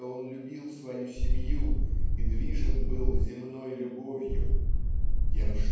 что он любил свою семью и движим был земной любовью "тем